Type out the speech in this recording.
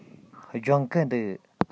སྦྱོང གི འདུག